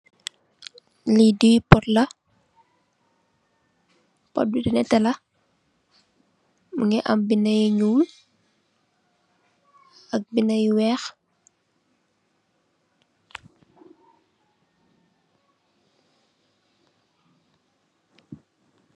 Li dewi pot la pot bi bu nete la mogi am benda yu nuul ak benda yu weex.